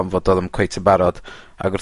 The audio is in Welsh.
am fod o ddim cweit yn barod, ag wrth...